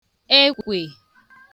ekwè